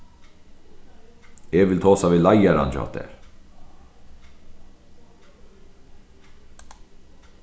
eg vil tosa við leiðaran hjá tær